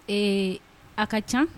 Ee a ka ca